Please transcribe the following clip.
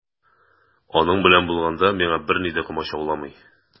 Аның белән булганда миңа берни дә комачауламый.